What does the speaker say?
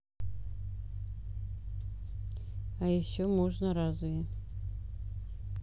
а еще можно разве